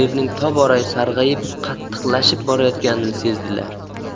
yerning tobora sarg'ayib qattiqlashib borayotganini sezdilar